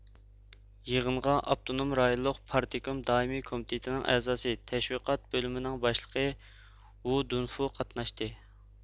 يىغىنغا ئاپتونوم رايونلۇق پارتكوم دائىمىي كومىتېتىنىڭ ئەزاسى تەشۋىقات بۆلۈمىنىڭ باشلىقى ۋۇ دۇنفۇ قاتناشتى